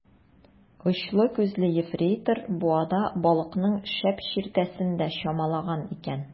Очлы күзле ефрейтор буада балыкның шәп чиертәсен дә чамалаган икән.